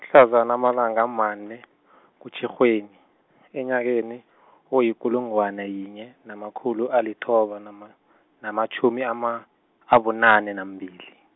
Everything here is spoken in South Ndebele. mhlazana amalanga amane, kuTjhirhweni, enyakeni, oyikulungwane yinye, namakhulu alithoba, nama namatjhumi ama, abunane nambili.